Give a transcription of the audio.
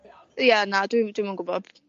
Ia na dwi dwi'm yn gw'bod.